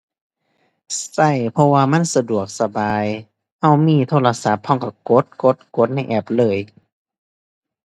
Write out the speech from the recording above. ใช้ เพราะว่ามันสะดวกสบาย ใช้มีโทรศัพท์ใช้ใช้กด กด กดในแอปเลย